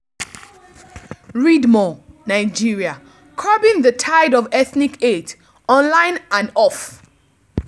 Read more: Nigeria: Curbing the tide of ethnic hate — online and off